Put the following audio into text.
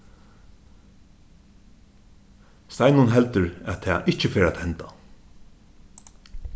steinunn heldur at tað ikki fer at henda